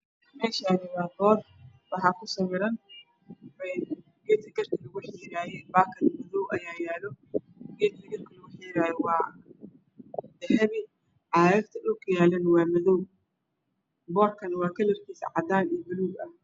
Meeshaan waa boor waxaa kusawiran geedka garka lugu xiiraayey baakad madow ayaa yaalo. Geedka garka lugu xiirayo waa dahabi. Caagta dhulka taal waa madow. Boorkuna waa cadaan iyo gaduud.